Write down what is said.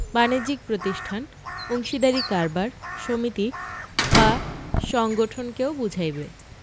বাণিজ্যিক প্রতিষ্ঠান অংশীদারী কারবার সমিতি বা সংগঠনকেও বুঝাইবে